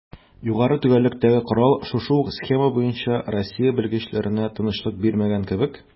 Югары төгәллектәге корал шушы ук схема буенча Россия белгечләренә тынычлык бирмәгән кебек: